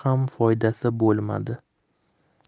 xam foydasi bo'lmadi